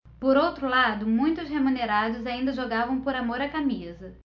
por outro lado muitos remunerados ainda jogavam por amor à camisa